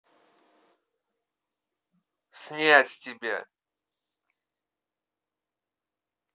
снять с тебя